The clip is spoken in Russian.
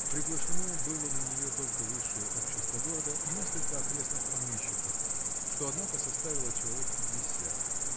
Приглашено было на нее только высшее общество города и несколько окрестных помещиков, что, однако, составило человек пятьдесят.